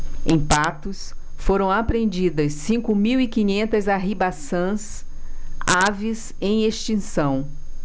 em patos foram apreendidas cinco mil e quinhentas arribaçãs aves em extinção